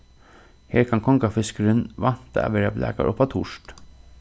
har kann kongafiskurin vænta at vera blakaður uppá turt